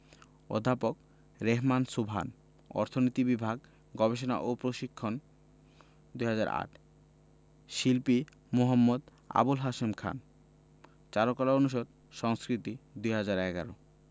অধ্যাপক রেহমান সোবহান অর্থনীতি বিভাগ গবেষণা ও প্রশিক্ষণ ২০০৮ শিল্পী মু. আবুল হাশেম খান চারুকলা অনুষদ সংস্কৃতি ২০১১